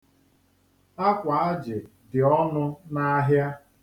Akwāājị̀ ḍi ọnụ n'ahịa.